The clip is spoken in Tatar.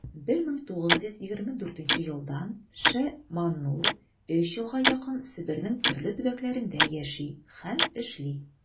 1924 елдан ш.маннур өч елга якын себернең төрле төбәкләрендә яши һәм эшли.